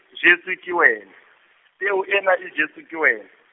jwetswe ke wena, peo ena e jwetswe ke wena.